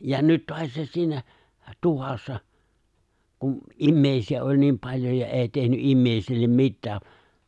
ja nyt taasiinsa siinä tuvassa kun ihmisiä oli niin paljon ja ei tehnyt ihmisille mitään